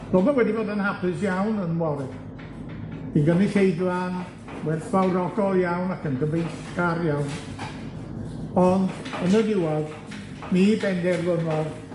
ro'dd o wedi bod yn hapus iawn yn Warwick, ei gynulleidfa'n werthfawrogol iawn ac yn gyfeillgar iawn, ond yn y diwadd, mi benderfynodd